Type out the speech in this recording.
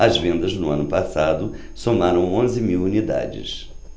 as vendas no ano passado somaram onze mil unidades